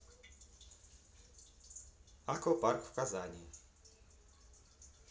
аквапарк в казани